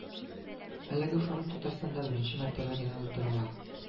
Әлеге форум Татарстанда беренче мәртәбә генә уздырыла